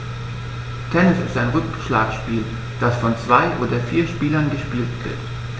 Tennis ist ein Rückschlagspiel, das von zwei oder vier Spielern gespielt wird.